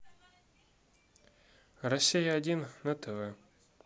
россия один на тв